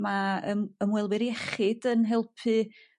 Ma' yym ymwelwyr iechyd yn helpu